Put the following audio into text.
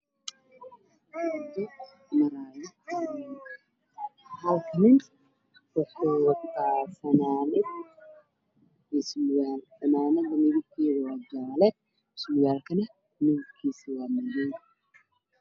Waa waddo waxaa maraayo nin wata fanaanad qaxo surwaal madow teendhooyin wey ku yaalaan